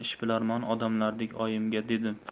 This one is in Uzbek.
ishbilarmon odamlardek oyimga dedim